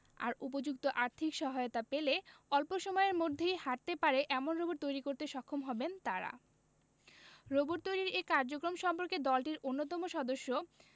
আর উপযুক্ত আর্থিক সহায়তা পেলে অল্প সময়ের মধ্যেই হাঁটতে পারে এমন রোবট তৈরি করতে সক্ষম হবেন তারা রোবট তৈরির এ কার্যক্রম সম্পর্কে দলটির অন্যতম সদস্য